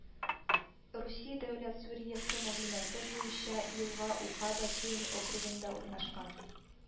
Русия дәүләт су реестры мәгълүматы буенча елга Ука бассейн округында урнашкан